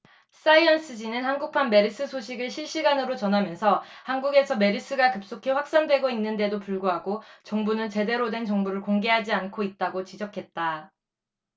사이언스지는 한국판 메르스 소식을 실시간으로 전하면서 한국에서 메르스가 급속히 확산되고 있는데도 불구하고 정부는 제대로 된 정보를 공개하지 않고 있다고 지적했다